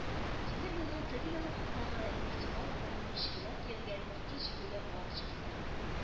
Тимер юлның теге ягындагы нефтебазадан мичкәләр төялгән ике җигүле ат чыкты